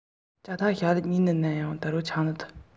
ལྕགས ཐབ ནང དུ མེ བུད མེད པས